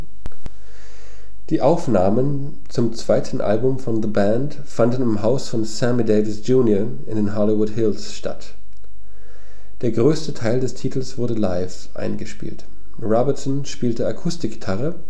Die Aufnahmen zum zweiten Album von The Band fanden im Haus von Sammy Davis junior in den Hollywood Hills statt. Der größte Teil des Titels wurde live eingespielt: Robertson spielte Akustikgitarre